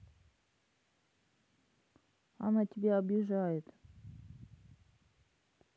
она тебя обижает